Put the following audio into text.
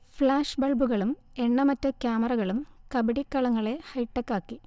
flash ബൾബുകളും എണ്ണമറ്റ ക്യാമറകളും കബഡി കളങ്ങളെ ഹൈടെക്കാക്കി